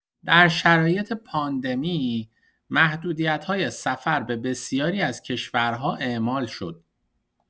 در شرایط پاندمی، محدودیت‌های سفر به بسیاری از کشورها اعمال شد.